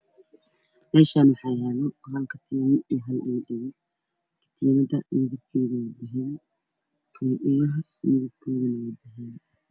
Meeshaan waxaa yaalo toban katiinad iyo hal dhego dhego ah Ka tiinada bidib keeda waa madow